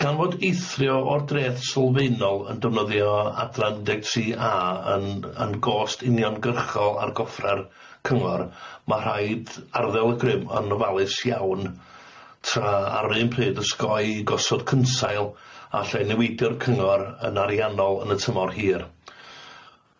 Gan fod eithrio o'r dreth sylfaenol yn defnyddio adran un deg tri a yn yn gost uniongyrchol ar goffra'r cyngor ma' rhaid arddel y grym yn ofalus iawn tra ar yr un pryd ysgoi gosod cynsail a lle newidio'r cyngor yn ariannol yn y tymor hir.